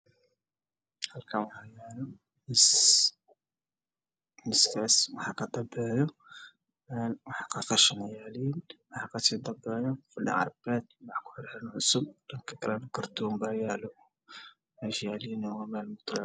Halkaan waxaa yaalo kursi midabkiisa buluug waxaana ka dambeyo meel qashin ah